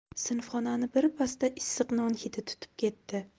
sinfxonani birpasda issiq non hidi tutib ketdi